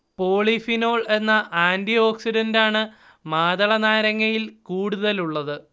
polyphenol എന്ന ആന്റിഓക്സിഡന്റാണ് മാതളനാരങ്ങയിൽ കൂടുതലുള്ളത്